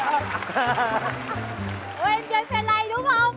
ủa em chơi phe lây đúng không